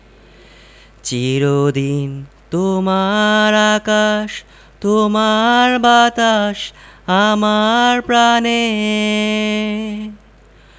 চির দিন তোমার আকাশ তোমার বাতাস আমার প্রাণে